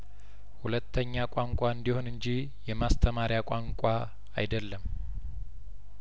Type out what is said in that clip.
ሁለተኛ ቋንቋ እንዲሆን እንጂ የማስተማሪያቋንቋ አይደለም